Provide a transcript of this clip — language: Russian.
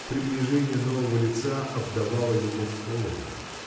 приближение нового лица обдавало его холодом.